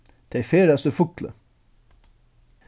tey ferðast í fugloy